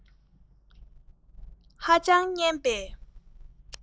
ཧ ཅང སྙན པས